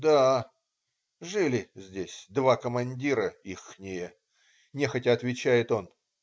"Да. жили здесь два командира ихние",- нехотя отвечает он.